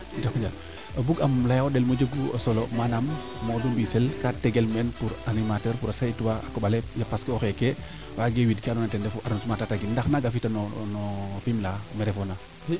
njoko njal bug'a im leyo ɗelem o jegu solo manaam Modou Mbisel kaa tegel meen pour animateur pour a seytuwa a koɓale i parce que o xeeke waage wid kee ando naye ten refu arondissement Tataguine ndax naaga fi tano noo Fimela mee refo na